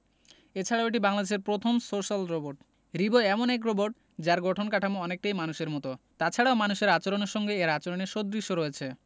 এছাড়া এটি বাংলাদেশের প্রথম সোশ্যাল রোবটও রিবো এমন এক রোবট যার গঠন কাঠামো অনেকটাই মানুষের মতো তাছাড়া মানুষের আচরণের সঙ্গে এর আচরণের সদৃশ্য রয়েছে